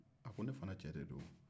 ne fana cɛ de don wo